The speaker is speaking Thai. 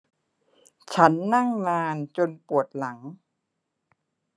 ฉันนั่งนานจนปวดหลัง